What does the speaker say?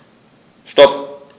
Stop.